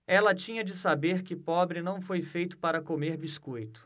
ela tinha de saber que pobre não foi feito para comer biscoito